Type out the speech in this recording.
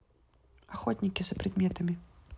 охотники за предметами